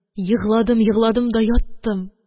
Егладым-егладым да яттым